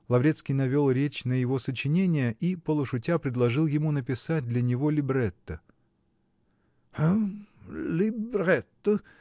Лаврецкий навел речь на его сочинение и, полушутя, предложил ему написать для него либретто. -- Гм, либретто!